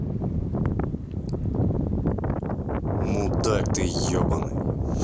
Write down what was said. мудак ты ебаный